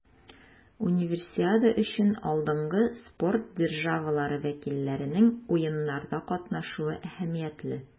Универсиада өчен алдынгы спорт державалары вәкилләренең Уеннарда катнашуы әһәмиятле.